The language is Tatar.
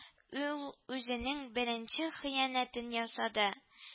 Үл үзенең беренче хыянәтен ясады